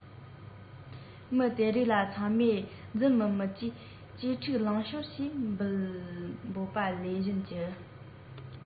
མི དེ རིགས ལ ཚང མས འཛུམ དམུལ དམུལ གྱིས གཅེས ཕྲུག ལང ཤོར ཞེས འབོད པ ལས གཞན ཅི